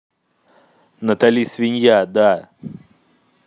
натали свинья да